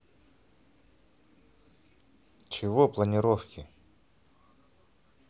чего планировки